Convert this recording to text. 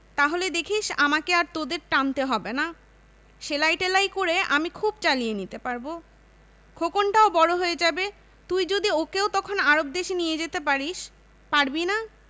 তাহলে দেখিস আমাকে আর তোদের টানতে হবে না সেলাই টেলাই করে আমি খুব চালিয়ে নিতে পারব খোকনটাও বড় হয়ে যাবে তুই যদি ওকেও তখন আরব দেশে নিয়ে যেতে পারিস পারবি না